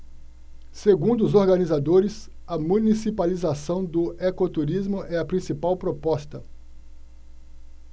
segundo os organizadores a municipalização do ecoturismo é a principal proposta